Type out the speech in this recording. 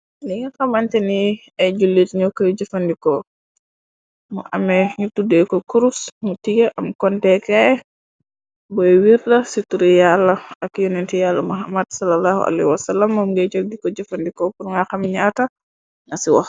Linga xamante ni ay julliit ño koy jëfandikoo. Mu amee ñu tuddee ko kurus mu tige am kontee kaay boy wirra ci turi yàlla ak yonenti yàllu maxamat sala laahu aluwasala. Moom ngay jog diko jëfandikoo pur nga xam ñaata na ci wax.